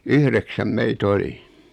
yhdeksän meitä oli